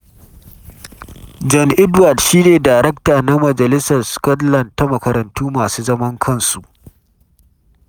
John Edward shi ne Darekta na Majalisar Scotland ta Makarantu Masu Zaman Kansu